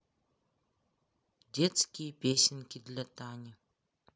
детские песенки для тани